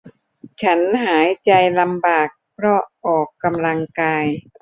ฉันหายใจลำบากเพราะออกกำลังกาย